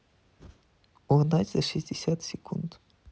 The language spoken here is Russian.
угнать за шестьдесят секунд